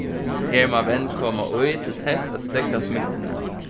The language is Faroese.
her má vend koma í til tess at steðga smittuni